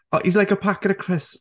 "He's like a packet of crisps."